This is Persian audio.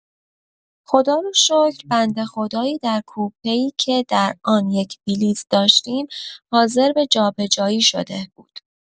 خداروشکر بنده خدایی در کوپه‌ای که در آن یک بلیت داشتیم حاضر به جابجایی شده بود.